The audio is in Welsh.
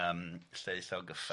Yym Lleu Llaw Gyffes.